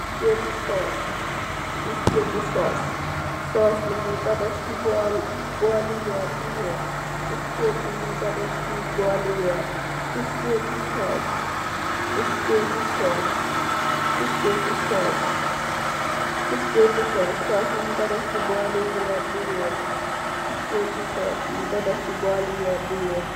Fisketi sóós, sóós bi ñig ko def ci bóól li wer bu wèèx.